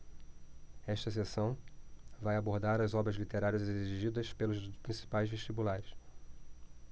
esta seção vai abordar as obras literárias exigidas pelos principais vestibulares